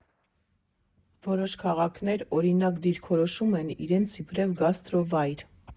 Որոշ քաղաքներ, օրինակ, դիրքորոշում են իրենց իբրև գաստրո֊վայր։